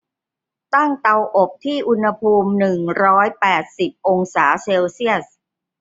ตั้งเตาอบที่อุณหภูมิหนึ่งร้อยแปดสิบองศาเซลเซียส